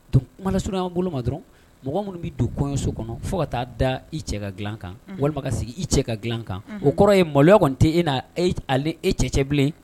Don kumaurun bolo ma dɔrɔn mɔgɔ minnu bɛ don kɔ in so kɔnɔ fo ka taa da i cɛ ka dila kan walima ka sigi i cɛ ka dila kan o kɔrɔ ye maloya kɔni tɛ e'a ale e cɛ cɛbilen